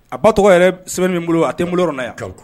A ba tɔgɔ yɛrɛ sɛbɛn min bolo a tɛ n bolo yɔrɔ na yan' kan